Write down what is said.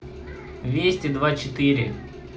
вести два четыре